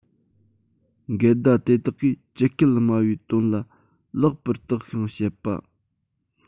འགལ ཟླ དེ དག གིས ཇི སྐད སྨྲ བའི དོན ལ ལེགས པར བརྟགས ཤིང དཔྱད པ